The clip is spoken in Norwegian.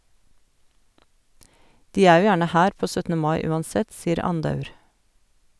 De er jo gjerne her på 17. mai uansett, sier Andaur.